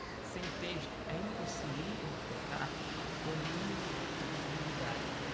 sem texto é impossível interpretar com o mínimo de credibilidade